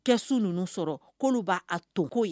Kɛ su ninnu sɔrɔ kolu b'a tonko ye